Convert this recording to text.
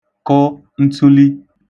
kụ ntuli